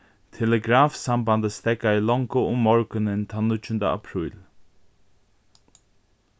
telegrafsambandið steðgaði longu um morgunin tann níggjunda apríl